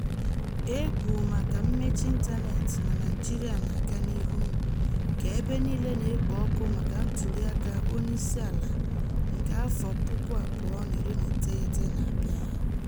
Égwù maka mmechi ịntaneetị na Naịjirịa na-aga n'ihu ka ebe niile na-ekpo ọkụ maka ntụliaka onyeisiala nke afọ 2019 na-abịa.